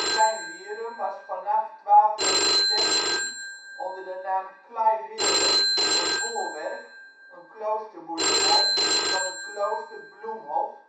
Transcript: Klein Wierum was vanaf 1216 onder de naam Claywerum een voorwerk (kloosterboerderij) van het Klooster Bloemhof